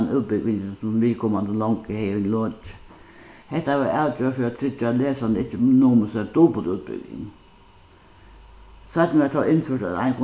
tann útbúgvingin sum viðkomandi longu hevði lokið hetta varð avgjørt fyri at tryggja at lesandi ikki numu sær dupultútbúgving seinni varð tó innført at ein